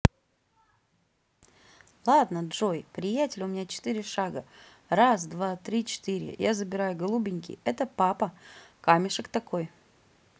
ладно джой приятеля у меня четыре шага раз два три четыре я забираю голубенький это папа камешек такой